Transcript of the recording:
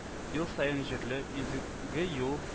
Ел саен җирле изге юл